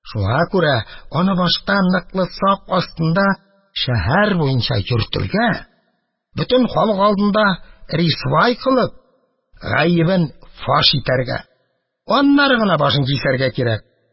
Шуңа күрә аны башта ныклы сак астында шәһәр буенча йөртергә, бөтен халык алдында рисвай кылып, гаебен фаш итәргә, аннары гына башын кисәргә кирәк.